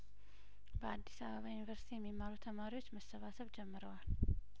በአዲስ አበባ ዩኒቨርስቲ የሚማሩ ተማሪዎች መሰባሰብ ጀምረዋል